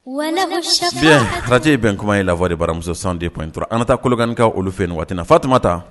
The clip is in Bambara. Wa arati in bɛn kuma in lafɔ de baramuso san de tun in t an taa kolokaninkaw olu fɛ yen waati fatuma taa